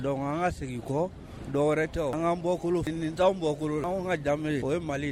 Donc an ka segin kɔ .Dɔwɛrɛ tɛ an kan bɔkolo . Nin tanw bɔkolo . Anw ka danbe o ye Mali